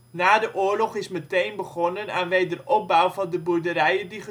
Na de oorlog is meteen begonnen aan wederopbouw van de boerderijen die